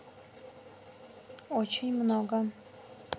очень много